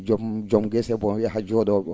jom jom gese bon yaha joo?oo